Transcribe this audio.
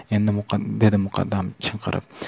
dedi muqaddam chinqirib